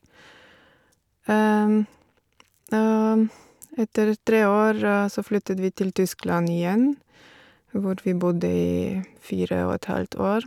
Og etter tre år så flyttet vi til Tyskland igjen, hvor vi bodde i fire og et halvt år.